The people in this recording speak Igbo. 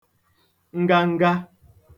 nganga